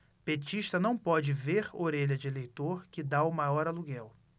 petista não pode ver orelha de eleitor que tá o maior aluguel